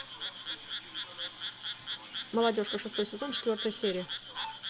молодежка шестой сезон четвертая серия